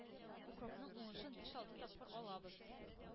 Укропның уңышын биш-алты тапкыр алабыз.